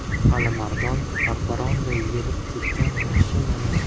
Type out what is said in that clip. alimardon parparonday yelib ketgan mashinaning